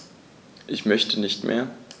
Ich möchte nicht mehr.